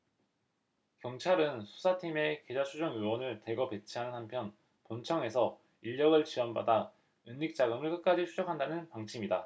경찰은 수사팀에 계좌추적 요원을 대거 배치하는 한편 본청에서 인력을 지원받아 은닉 자금을 끝까지 추적한다는 방침이다